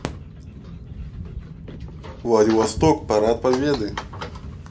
владивосток парад победы